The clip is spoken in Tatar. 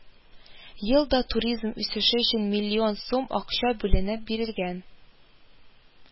Елда туризм үсеше өчен миллион сум акча бүленеп бирелгән